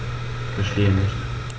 Verstehe nicht.